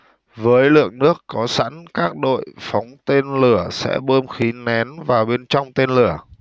với lượng nước có sẵn các đội phóng tên lửa sẽ bơm khí nén vào bên trong tên lửa